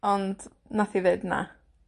Ond nath hi ddeud na.